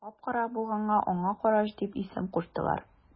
Кап-кара булганга аңа карач дип исем куштылар.